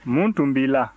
mun tun b'i la